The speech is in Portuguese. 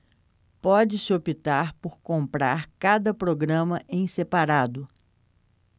pode-se optar por comprar cada programa em separado